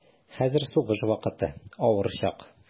Хәзер сугыш вакыты, авыр чак.